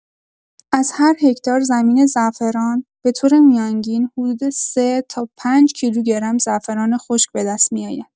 از هر هکتار زمین زعفران، به‌طور میانگین حدود ۳ تا ۵ کیلوگرم زعفران خشک به‌دست می‌آید.